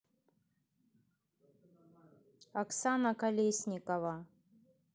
оксана колесникова